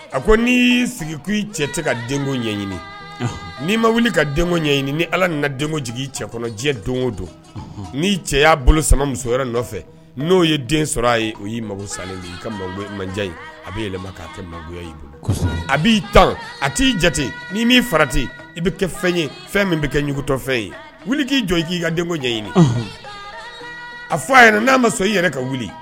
A ko n'i y'i sigikun i cɛ tɛ ka denko ɲɛɲini n'i ma wuli ka denko ɲɛɲini ni ala nana den jigin cɛ kɔnɔjɛ don o don n cɛ y'a bolo samamusoya nɔfɛ n'o ye den sɔrɔ a ye o'i mago san ka manja a bɛ yɛlɛma k' kɛya i bolo a b'i tan a t' ii jate ni min'i fara ten i bɛ kɛ fɛn ye fɛn min bɛ kɛ ɲugutɔfɛn ye wuli k'i jɔn k'i ka den ɲɛɲini a f' a yɛrɛ n'a ma sɔn i yɛrɛ ka wuli